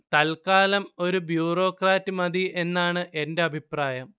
തല്ക്കാലം ഒരു ബ്യൂറോക്രാറ്റ് മതി എന്നാണ് എന്റെ അഭിപ്രായം